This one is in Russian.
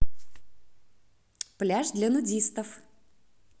пляж для нудистов